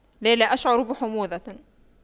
لا لا أشعر بحموضة